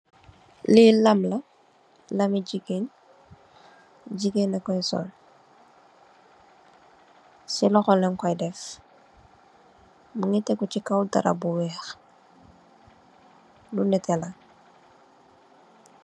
Li lam la, lammi jigeen. Jigeen nako sol , ci loxo len ko def mungi tekku ci kaw dara bu weex , bu nete la.